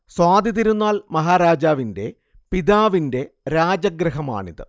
സ്വാതി തിരുനാൾ മഹാരാജാവിന്റെ പിതാവിന്റെ രാജഗൃഹമാണിത്